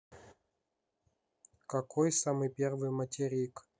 какой самый первый материк